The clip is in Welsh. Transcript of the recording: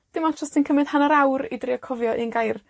Dim ots os ti'n cymryd hanner awr i drio cofio un gair.